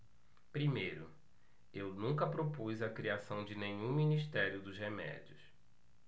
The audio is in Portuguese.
primeiro eu nunca propus a criação de nenhum ministério dos remédios